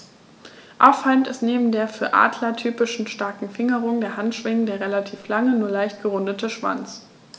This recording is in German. Auffallend ist neben der für Adler typischen starken Fingerung der Handschwingen der relativ lange, nur leicht gerundete Schwanz.